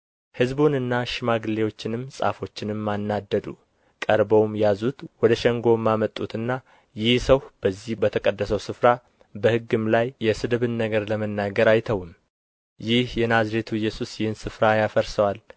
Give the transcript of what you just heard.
ሕዝቡንና ሽማግሌዎችንም ጻፎችንም አናደዱ ቀርበውም ያዙት ወደ ሸንጎም አመጡትና ይህ ሰው በዚህ በተቀደሰው ስፍራ በሕግም ላይ የስድብን ነገር ለመናገር አይተውም ይህ የናዝሬቱ ኢየሱስ ይህን ስፍራ ያፈርሰዋል